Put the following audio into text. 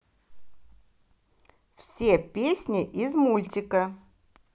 все песни из мультика